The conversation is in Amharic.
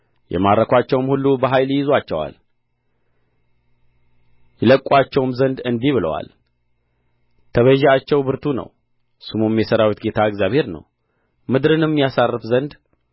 የማረኳቸውም ሁሉ በኃይል ይይዙአቸዋል ይለቅቁአቸውም ዘንድ እንቢ ብለዋል ተቤዢአቸው ብርቱ ነው ስሙም የሠራዊት ጌታ እግዚአብሔር ነው ምድርንም ያሳርፍ ዘንድ